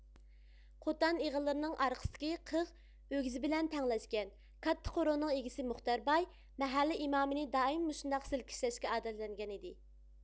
قوتان ئېغىللىرىنىڭ ئارقىسىدىكى قىغ ئۆگزە بىلەن تەڭلەشكەن كاتتا قورۇنىڭ ئىگىسى مۇختەرباي مەھەللە ئىمامىنى دائىم مۇشۇنداق سىلكىشلەشكە ئادەتلەنگەنىدى